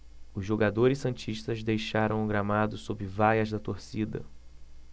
os jogadores santistas deixaram o gramado sob vaias da torcida